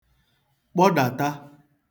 kpọdàta